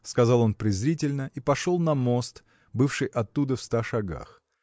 – сказал он презрительно и пошел на мост, бывший оттуда во ста шагах.